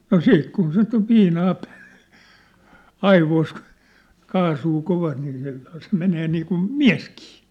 no sitten kun sitä on viinaa päässä aivoissa kun kaasua kovasti niin se se menee niin kuin mieskin